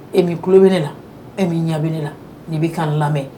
E min tulob ne la e min ɲa la n'i bɛ ka n lamɛn